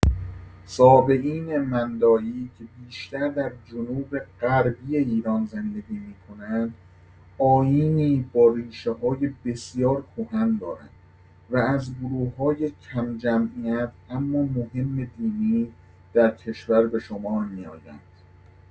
صابئین مندایی که بیشتر در جنوب‌غربی ایران زندگی می‌کنند، آیینی با ریشه‌های بسیار کهن دارند و از گروه‌های کم‌جمعیت اما مهم دینی در کشور به شمار می‌آیند.